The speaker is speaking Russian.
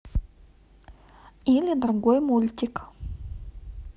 или другой мультик